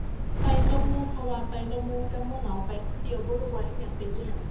ไปกับหมู่ เพราะว่าไปกับหมู่จั่งบ่เหงา ไปคนเดียวบ่รู้ว่าอิหยังเป็นอิหยัง